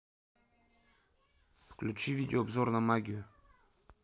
включи видеообзор на магию